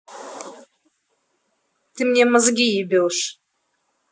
ты мне мозги ебешь